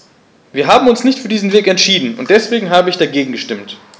Wir haben uns nicht für diesen Weg entschieden, und deswegen habe ich dagegen gestimmt.